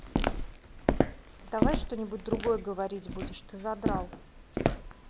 давай что нибудь другое говорить будешь ты задрал